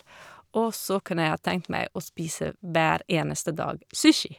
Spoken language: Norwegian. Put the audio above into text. Og så kunne jeg ha tenkt meg å spise hver eneste dag sushi.